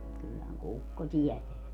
kyllähän kukko tietää